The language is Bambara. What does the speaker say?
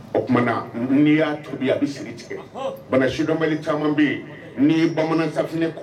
O kuma na , ni ya tobi a bi siri tigɛ . Bana sidɔnbali caman be yen ni ye bamanansafinɛ ko